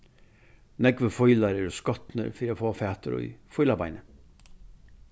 nógvir fílar eru skotnir fyri at fáa fatur í fílabeini